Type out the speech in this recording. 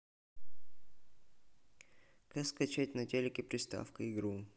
как скачать на телеке приставка игру